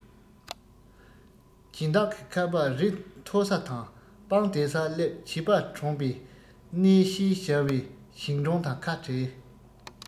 སྦྱིན བདག གི ཁ པ རི མཐོ ས དང སྤང བདེ སར སླེབས བྱིས པ གྲོངས པའི གནས ཤེས བྱ བའི ཞིང གྲོང དང ཁ བྲལ